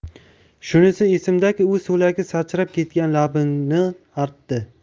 shunisi esimdaki u so'lagi sachrab ketgan labini artdi